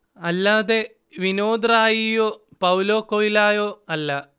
അല്ലാതെ വിനോദ് റായിയോ പൌലോ കൊയ്ലായൊ അല്ല